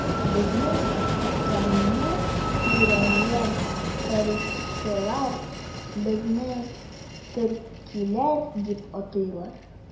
Безнең үткәнне өйрәнгән тарихчылар безне төркиләр дип атыйлар.